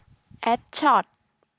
แอดช็อต